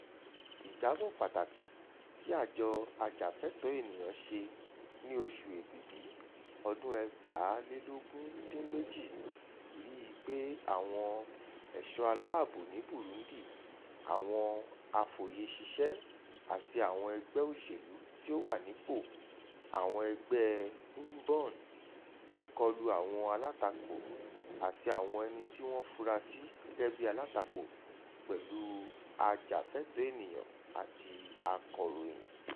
Ìjábọ̀ pàtàkì ti àjọ ajàfẹ́tọ̀ọ́ ènìyàn ṣe ní oṣù Èbìbí 2018 rí i pé àwọn èṣọ́ aláàbò ní Burundi, àwọn afòyeṣiṣẹ́ àti àwọn ọmọ ẹgbẹ́ òṣèlú tí ó wà nípò, àwọn ẹgbẹ́ Imbone… ń kọlu àwọn alátakò àti àwọn ẹni tí wọ́n fura sí gẹ́gẹ́ bí alátakò pẹ̀lú ajàfẹ́tọ̀ọ́ ènìyàn àti akọ̀ròyìn.